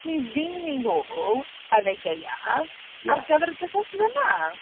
Mi'n fy' ni nôl yn y gaeaf... ie. ...ar gyfer y gyfres yna.